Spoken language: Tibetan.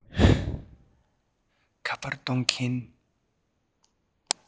ཁ པར གཏོང མཁན